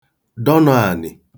dọnọ ànị̀